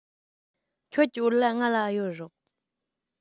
ཁྱོད ཀྱི བོད ལྭ ང ལ གཡོར རོགས